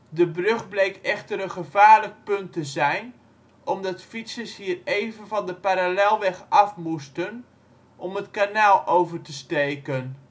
De brug bleek echter een gevaarlijk punt te zijn, omdat fietsers hier even van de parallelweg af moesten, om het kanaal over te steken